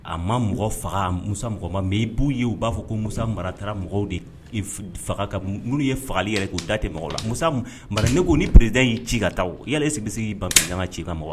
A ma mɔgɔ faga mu mɔgɔ ma mɛ i b'u ye u b'a fɔ ko musa mara mɔgɔw de n'u ye fagali yɛrɛ k'u da tɛ mɔgɔw la mu mara ne ko ni pered y'i ci ka ta yala e sigi k'i ban kan ci ma mɔgɔ